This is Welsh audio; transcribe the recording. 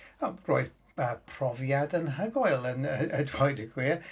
Roedd yy profiad anhygoel a dweud y gwir.